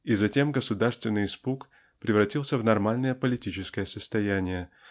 И затем государственный испуг превратился в нормальное политическое состояние